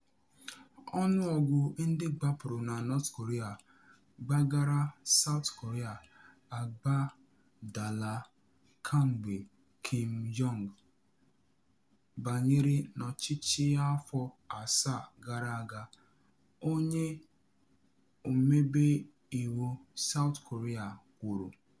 Ọnụọgụ ndị gbapụrụ na North Korea gbagara South Korea agbadaala kemgbe Kim Jong-un banyere n’ọchịchị afọ asaa gara aga, onye ọmebe iwu South Korea kwuru.